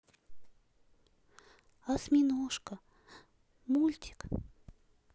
осьминожка мультик